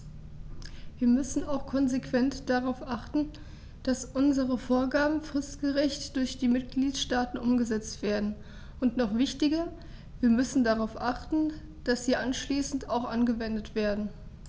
Wir müssen auch konsequent darauf achten, dass unsere Vorgaben fristgerecht durch die Mitgliedstaaten umgesetzt werden, und noch wichtiger, wir müssen darauf achten, dass sie anschließend auch angewendet werden.